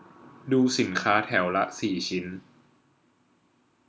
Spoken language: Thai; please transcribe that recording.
ดูสินค้าแถวละสี่ชิ้น